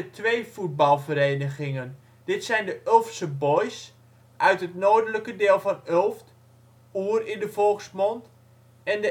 twee voetbalverenigingen. Dit zijn Ulftse Boys, uit het noordelijke deel van Ulft (Oer in de volksmond), en